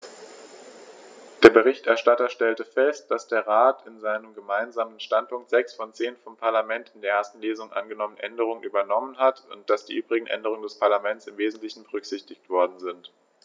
Der Berichterstatter stellte fest, dass der Rat in seinem Gemeinsamen Standpunkt sechs der zehn vom Parlament in der ersten Lesung angenommenen Änderungen übernommen hat und dass die übrigen Änderungen des Parlaments im wesentlichen berücksichtigt worden sind.